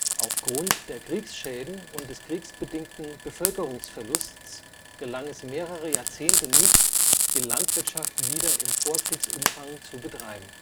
Auf Grund der Kriegsschäden und des kriegsbedingten Bevölkerungsverlusts gelang es mehrere Jahrzehnte nicht, die Landwirtschaft wieder im Vorkriegsumfang zu betreiben